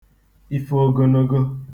ife ogonogo